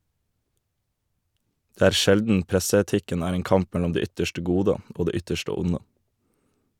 Det er sjelden presseetikken er en kamp mellom det ytterste gode og det ytterste onde.